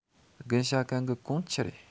དགུན ཞྭ གན གི གོང ཆི རེད